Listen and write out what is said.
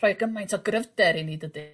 ...rhoi gymaint o gryfder i ni dydi?